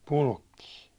Pulkkinen